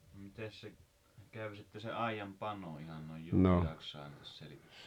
no mitenkäs se kävi sitten se aidan pano ihan noin juurta jaksain selitettynä